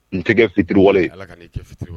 N tɛ fitiri